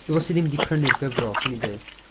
I bobl sy' ddim 'di prynu'r gyfrol, 'swn i'n deud...